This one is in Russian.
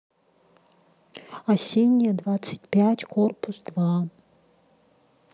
осенняя двадцать пять корпус два